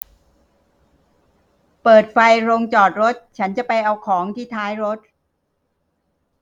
เปิดไฟโรงจอดรถฉันจะไปเอาของที่ท้ายรถ